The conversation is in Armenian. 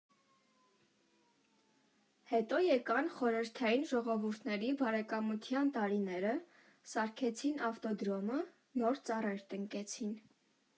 Հետո եկան խորհրդային ժողովուրդների Բարեկամության տարիները, սարքեցին ավտոդրոմը, նոր ծառեր տնկեցին։